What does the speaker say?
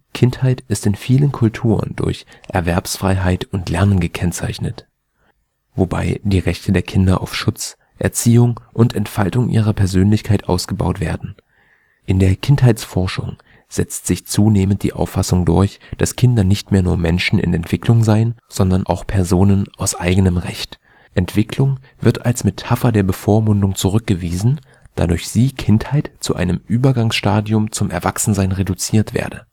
Kindheit ist in vielen Kulturen durch Erwerbsfreiheit und Lernen gekennzeichnet, wobei die Rechte der Kinder auf Schutz, Erziehung und Entfaltung ihrer Persönlichkeit ausgebaut werden. In der Kindheitsforschung setzt sich zunehmend die Auffassung durch, dass Kinder nicht mehr nur „ Menschen in Entwicklung “seien, sondern auch „ Personen aus eigenem Recht “. Entwicklung wird als Metapher der Bevormundung zurückgewiesen, da durch sie Kindheit zu einem Übergangstadium zum Erwachsensein reduziert werde